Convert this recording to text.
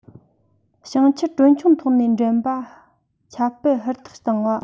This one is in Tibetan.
ཞིང ཆུ གྲོན ཆུང ཐོག ནས འདྲེན པ ཁྱབ སྤེལ ཧུར ཐག བཏང བ